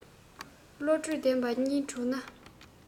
བློ གྲོས ལྡན པ གཉིས བགྲོས ན